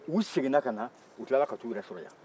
u seginna ka na u tilara k'u yɛrɛ sɔrɔ yan